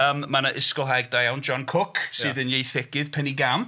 Yym ma' 'na ysgolhaeg da iawn John Koch... ia. ...sydd yn ieithegydd penigamp.